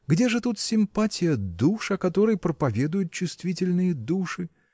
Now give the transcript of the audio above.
где же тут симпатия душ, о которой проповедуют чувствительные души?